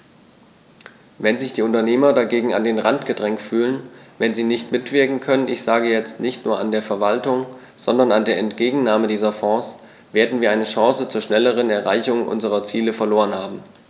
Wenn sich die Unternehmer dagegen an den Rand gedrängt fühlen, wenn sie nicht mitwirken können ich sage jetzt, nicht nur an der Verwaltung, sondern an der Entgegennahme dieser Fonds , werden wir eine Chance zur schnelleren Erreichung unserer Ziele verloren haben.